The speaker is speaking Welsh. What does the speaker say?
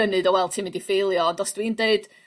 ...yn neud o wel ti'n mynd i ffeiluo ond os dwi'n deud